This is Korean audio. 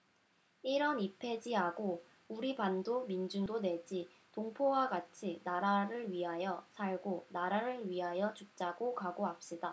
일언이폐지하고 우리 반도 민중도 내지 동포와 같이 나라를 위하여 살고 나라를 위하여 죽자고 각오합시다